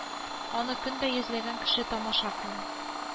Рок-музыка һәм автомобильләр белән мавыга.